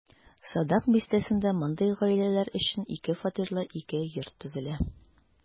Садак бистәсендә мондый гаиләләр өчен ике фатирлы ике йорт төзелә.